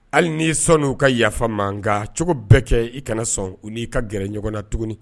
Hali n'i sɔn n'u ka yafa mankanga cogo bɛ kɛ i kana sɔn u n'i ka gɛrɛ ɲɔgɔn na tuguni